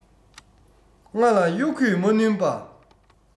རྔ ལ དབྱུག གུས མ བསྣུན པ